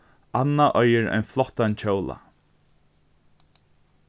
anna eigur ein flottan kjóla